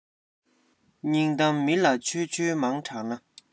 སྙིང གཏམ མི ལ འཆོལ འཆོལ མང དྲགས ན